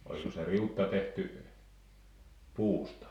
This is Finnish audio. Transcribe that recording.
oliko se riutta tehty puusta